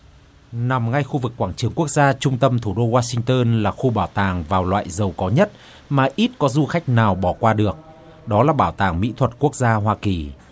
nằm ngay khu vực quảng trường quốc gia trung tâm thủ đô oa sinh tơn là khu bảo tàng vào loại giàu có nhất mà ít có du khách nào bỏ qua được đó là bảo tàng mỹ thuật quốc gia hoa kỳ